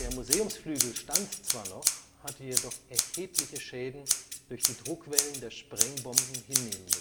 Museumsflügel stand zwar noch, hatte jedoch erhebliche Schäden durch die Druckwellen der Sprengbomben hinnehmen